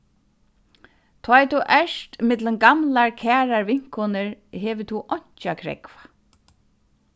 tá ið tú ert millum gamlar kærar vinkonur hevur tú einki at krógva